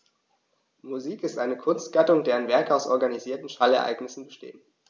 Musik ist eine Kunstgattung, deren Werke aus organisierten Schallereignissen bestehen.